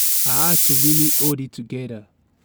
I had to really hold it together."